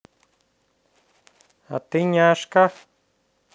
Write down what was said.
а ты няшка